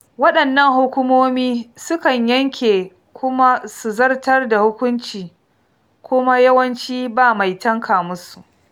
Waɗannan hukumomi su kan yanke kuma su zartar da hukunci kuma yawanci ba mai tanka musu.